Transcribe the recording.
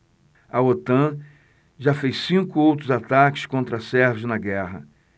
a otan já fez cinco outros ataques contra sérvios na guerra